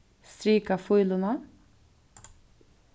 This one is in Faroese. strika fíluna